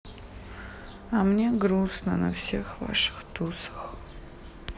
а мне грустно на всех ваших тусах